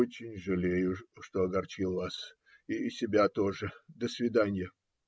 - Очень жалею, что огорчил вас. И себя тоже. До свиданья.